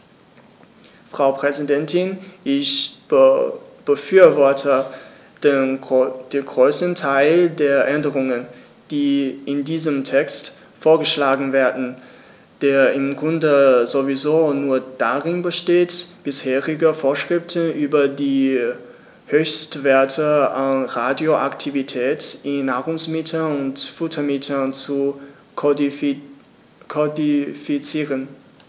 Frau Präsidentin, ich befürworte den größten Teil der Änderungen, die in diesem Text vorgeschlagen werden, der im Grunde sowieso nur darin besteht, bisherige Vorschriften über die Höchstwerte an Radioaktivität in Nahrungsmitteln und Futtermitteln zu kodifizieren.